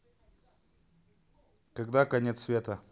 когда конец света